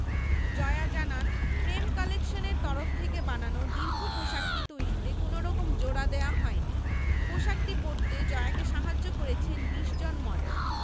জয়া জানান প্রেম কালেকশন এর তরফ থেকে বানানো দীর্ঘ পোশাকটি তৈরিতে কোনো রকম জোড়া দেয়া হয়নি পোশাকটি পরতে জয়াকে সাহায্য করেছেন ২০ জন মডেল